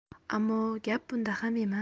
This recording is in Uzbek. ammo gap bunda ham emas